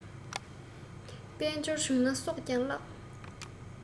དཔལ འབྱོར བྱུང ན སྲོག ཀྱང བརླག